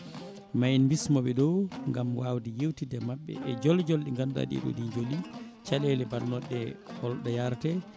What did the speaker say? ma en bimoɓe ɗo gaam wawde yewtidde e mabɓe e joole joole ɗe ganduɗe ɗe ɗo ni jooli caɗele bannoɗe holɗo yarate